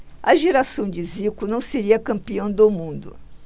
a geração de zico não seria campeã do mundo